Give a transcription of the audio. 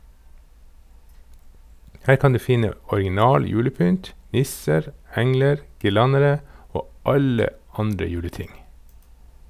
Her kan du finne original julepynt, nisser, engler, girlandere og alle andre juleting.